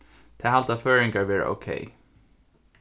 tað halda føroyingar vera ókey